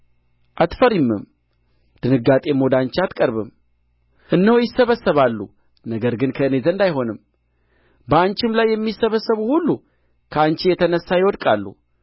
አትፈሪምም ድንጋጤም ወደ አንቺ አትቀርብም እነሆ ይሰበሰባሉ ነገር ግን ከእኔ ዘንድ አይሆንም በአንቺም ላይ የሚሰበሰቡ ሁሉ ከአንቺ የተነሣ ይወድቃሉ